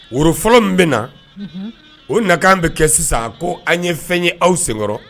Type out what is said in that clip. Woro fɔlɔ min bɛ na, unhun, o nakan bɛ kɛ sisan ko an ye fɛn ye aw senkɔrɔ